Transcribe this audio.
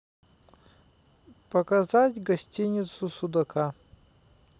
показать гостиницу судака